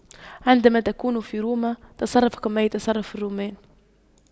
عندما تكون في روما تصرف كما يتصرف الرومان